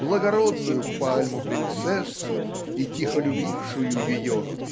благородную пальму-принцессу и тихо любившую ее